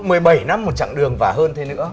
mười bảy năm một chặng đường và hơn thế nữa